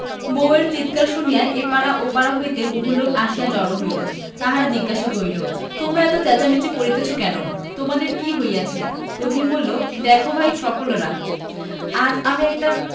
বউ এর চিৎকার শুনিয়া এ পাড়া ও পাড়া হইতে বহুলোক আসিয়া জড় হইল তাহারা জিজ্ঞাসা করিল তোমরা এত চেঁচামেচি করিতেছ কেন তােমাদের কি হইয়াছে রহিম বলিল দেখ ভাই সকলরা আজ আমি একটা